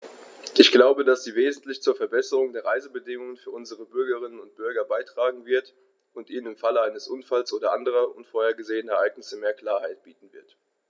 Ich glaube, dass sie wesentlich zur Verbesserung der Reisebedingungen für unsere Bürgerinnen und Bürger beitragen wird, und ihnen im Falle eines Unfalls oder anderer unvorhergesehener Ereignisse mehr rechtliche Klarheit bieten wird.